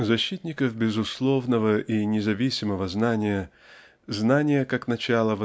Защитников безусловного и независимого знания знания как начала